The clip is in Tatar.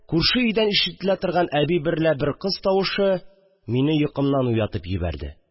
Күрше өйдән ишетелә торган әби берлә бер кыз тавышы йокымнан уятып җибәрде